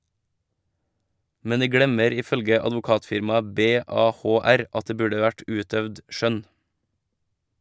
Men de glemmer, ifølge advokatfirmaet BA-HR, at det burde vært utøvd skjønn.